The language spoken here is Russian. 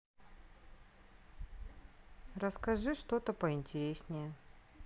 расскажи что то поинтереснее